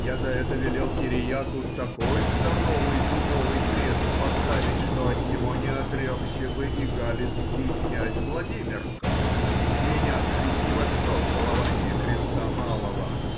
Я за это велел Кириаку такой здоровый дубовый крест поставить, что от него не отрекся бы и галицкий князь Владимирко, вменявший ни во что целование креста малого